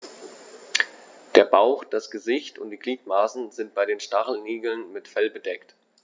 Der Bauch, das Gesicht und die Gliedmaßen sind bei den Stacheligeln mit Fell bedeckt.